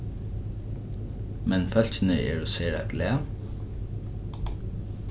men fólkini eru sera glað